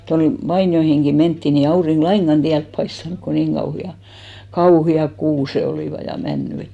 toin vainioihinkin mentiin niin ei aurinko lainkaan tielle paistanut kun niin kauheat kauheat kuuset olivat ja männyt että